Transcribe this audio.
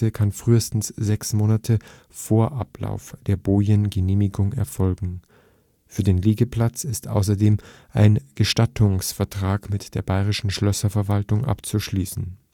kann frühestens sechs Monate vor Ablauf der Bojengenehmigung erfolgen. Für den Liegeplatz ist außerdem ein Gestattungsvertrag mit der Bayerischen Schlösserverwaltung abzuschließen